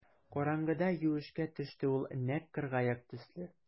Караңгыда юешкә төште ул нәкъ кыргаяк төсле.